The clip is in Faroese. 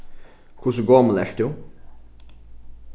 hvussu gomul ert tú